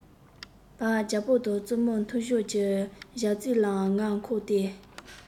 བར རྒྱལ པོ དང བཙུན མོའི མཐུན སྦྱོར གྱི སྦྱར རྩི ལའང ང མཁོ སྟེ